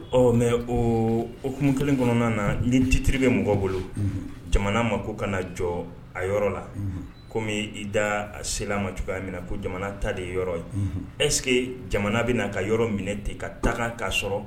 Ɔ mɛ o o ku kelen kɔnɔna na ni fitiri bɛ mɔgɔ bolo jamana ma ko ka na jɔ a yɔrɔ la komi i da a se ma cogoyaya min na ko jamana ta de yɔrɔ ye ɛsseke jamana bɛna ka yɔrɔ minɛ ten ka taga k ka sɔrɔ